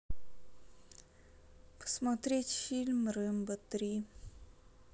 посмотреть фильм рэмбо три